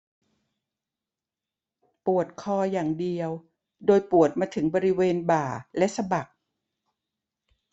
ปวดคออย่างเดียวโดยปวดมาถึงบริเวณบ่าและสะบัก